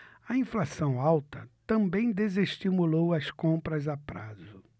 a inflação alta também desestimulou as compras a prazo